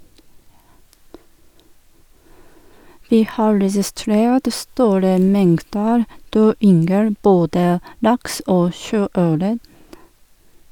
- Vi har registrert store mengder død yngel, både laks og sjøørret.